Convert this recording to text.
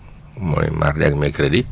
mooy mardi ak mercredi